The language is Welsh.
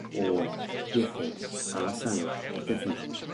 o iechyd a salwch dyfu.